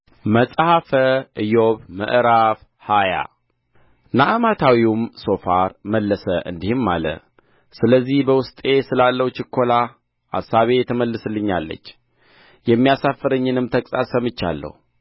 መጽሐፈ ኢዮብ ምዕራፍ ሃያ ናዕማታዊውም ሶፋር መለሰ እንዲህም አለ ስለዚህ በውስጤ ስላለው ችኰላ አሳቤ ትመልስልኛለች የሚያሳፍረኝንም ተግሣጽ ሰምቻለሁ